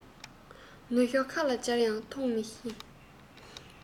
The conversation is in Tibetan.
ནུ ཞོ ཁ ལ སྦྱར ཡང འཐུང མི ཤེས